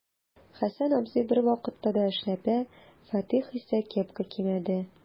Хәсән абзый бервакытта да эшләпә, Фатих исә кепка кимәде.